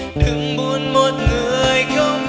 đừng buồn một người không